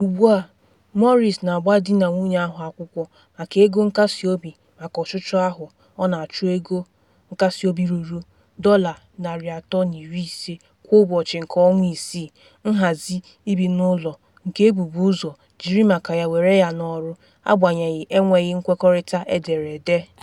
Ugbu a, Maurice na agba di na nwunye ahụ akwụkwọ maka ego nkasi obi maka ọchụchụ ahụ, ọ na achọ ego nkasị obi ruru $350 kwa ụbọchị nke ọnwa-isii, nhazi ibi n’ụlọ nke ebubu ụzọ jiri maka ya were ya n’ọrụ, agbanyeghị enweghị nkwekọrịta edere ede.